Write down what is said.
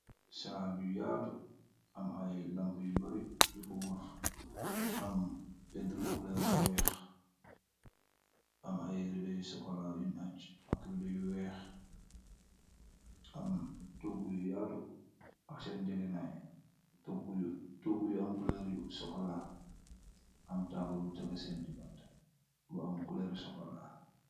Sal yu yatu am ai lampu yu bori uko worr am paintul kulerr bu wekh, am ai rido yu sokolah yun ach ak rido yu wekh am togu yu yatu ak sen nyegeh nai, togu yu am kulerr yu sokolah, am tabule bu tegu sen diganteh bu am kulerr yu sokolah .